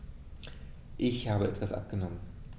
Ich habe etwas abgenommen.